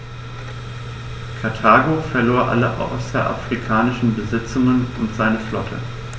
Karthago verlor alle außerafrikanischen Besitzungen und seine Flotte.